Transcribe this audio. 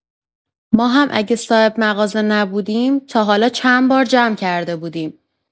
ما هم اگه صاحب مغازه نبودیم، تا حالا چند بار جمع کرده بودیم.